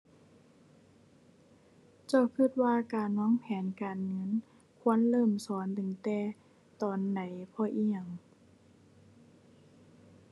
เจ้าคิดว่าการวางแผนการเงิน ควรเริ่มสอนตั้งแต่ตอนไหน เพราะอิหยัง